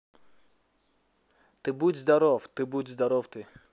ты будь здоров ты будь здоров ты